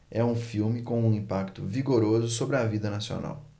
é um filme com um impacto vigoroso sobre a vida nacional